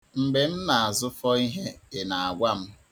Mgbe m na-azụfọ ihe, ị na-agwa m?